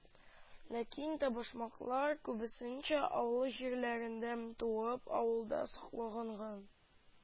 Ләкин табышмаклар, күбесенчә, авыл җирләрендә туып, авылда саклагаган